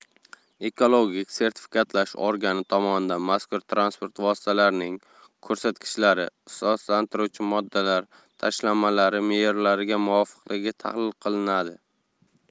ekologik sertifikatlash organi tomonidan mazkur transport vositalarining ko'rsatkichlari ifloslantiruvchi moddalar tashlamalari me'yorlariga muvofiqligi tahlil qilinadi